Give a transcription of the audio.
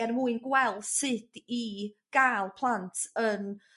er mwyn gweld sut i ga'l plant yn